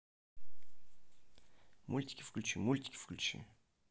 мультики включи мультики включи